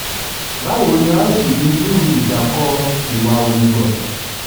Báwo ni a ó ṣe dojú ìjà kọ ìwà òmùgọ̀?